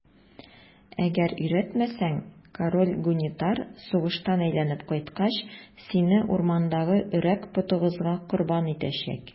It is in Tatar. Әгәр өйрәтмәсәң, король Гунитар сугыштан әйләнеп кайткач, сине урмандагы Өрәк потыгызга корбан итәчәк.